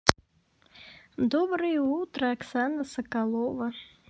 доброе утро оксана соколова